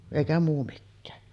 eikä muu mikään